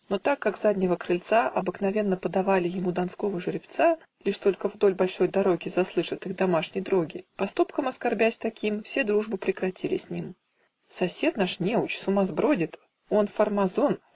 Но так как с заднего крыльца Обыкновенно подавали Ему донского жеребца, Лишь только вдоль большой дороги Заслышат их домашни дроги, - Поступком оскорбясь таким, Все дружбу прекратили с ним. "Сосед наш неуч сумасбродит Он фармазон